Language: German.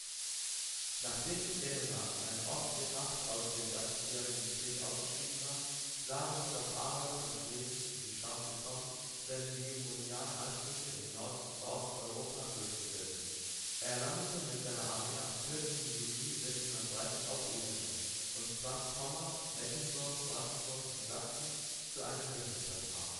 Nachdem mit Dänemark eine Ostseemacht aus dem Dreißigjährigen Krieg ausgeschieden war, sah Gustav Adolf von Schweden die Chance gekommen, seine hegemonialen Ansprüche in Nordosteuropa durchzusetzen. Er landete mit seiner Armee am 4. Juli 1630 auf Usedom und zwang Pommern, Mecklenburg, Brandenburg und Sachsen zu einem Bündnisvertrag